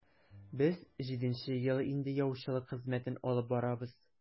Без җиденче ел инде яучылык хезмәтен алып барабыз.